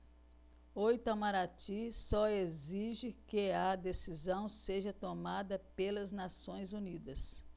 o itamaraty só exige que a decisão seja tomada pelas nações unidas